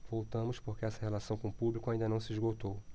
voltamos porque essa relação com o público ainda não se esgotou